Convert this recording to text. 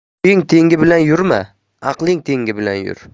bo'ying tengi bilan yurma aqling tengi bilan yur